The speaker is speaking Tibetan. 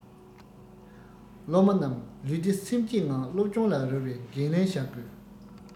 སློབ མ རྣམས ལུས བདེ སེམས སྐྱིད ངང སློབ སྦྱོང ལ རོལ བའི འགན ལེན བྱ དགོས